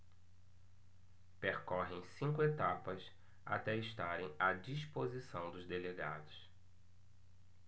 percorrem cinco etapas até estarem à disposição dos delegados